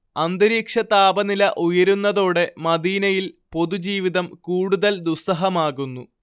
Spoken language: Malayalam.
അന്തരീക്ഷതാപനില ഉയരുന്നതോടെ മദീനയിൽ പൊതുജീവിതം കുടുതൽ ദുസ്സഹമാകുന്നു